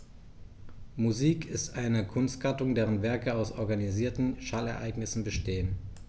Musik ist eine Kunstgattung, deren Werke aus organisierten Schallereignissen bestehen.